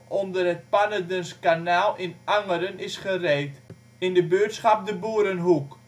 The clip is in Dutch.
onder het Pannerdens kanaal in Angeren is gereed, in de buurtschap de Boerenhoek